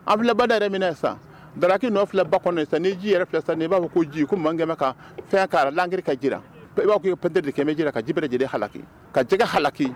Anbada yɛrɛ minɛ sa darakaki fila ba kɔnɔ sisan n'i ji yɛrɛ sa n'i b'a fɔ ko ji ko mankɛ ka fɛn ka lagki ka ji b'a iiptɛ dekɛ ji ka ji bɛ haki ka jɛ haki